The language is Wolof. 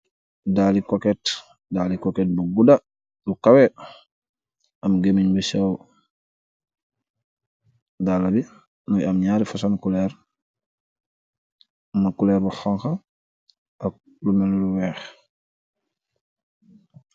Daali kukeet daali kukeet bu guda bu kaweh am geemen bu seew daala bi mogi aam naari fosoon colur am na colur bu xonxa ak lu melnee lu weex.